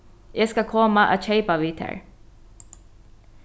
eg skal koma at keypa við tær